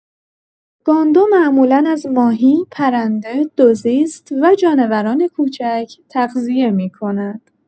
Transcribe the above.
گاندو معمولا از ماهی، پرنده، دوزیست و جانوران کوچک تغذیه می‌کند.